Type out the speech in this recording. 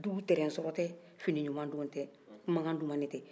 tɛrɛn sɔrɔ tɛ fini ɲuman don tɛ kuma kan dumani tɛ